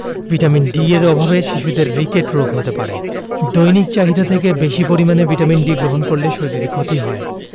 vitamin D এর অভাবে শিশুদের রিকেট রোগ হতে পারে দৈনিক চাহিদা থেকে বেশী পরিমাণে ভিটামিন ডি গ্রহণ করলে শরীরের ক্ষতি হয়